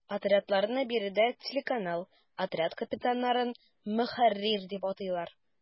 Отрядларны биредә “телеканал”, отряд капитаннарын “ мөхәррир” дип атыйлар.